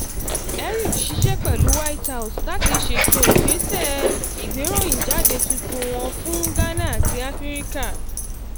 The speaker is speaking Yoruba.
Erik ṣiṣẹ́ pẹ̀lú White House láti ṣètò ìgbésẹ̀ ìgbéròyìnjáde tuntun wọn fún Ghana àti Áfíríkà .